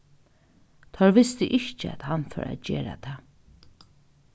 teir vistu ikki at hann fór at gera tað